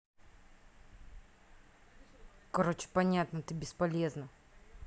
короче понятно ты бесполезная